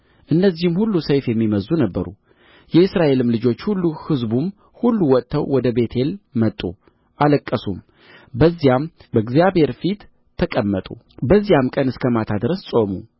እነዚህም ሁሉ ሰይፍ የሚመዝዙ ነበሩ የእስራኤልም ልጆች ሁሉ ሕዝቡም ሁሉ ወጥተው ወደ ቤቴል መጡ አለቀሱም በዚያም በእግዚአብሔር ፊት ተቀመጡ በዚያም ቀን እስከ ማታ ድረስ ጾሙ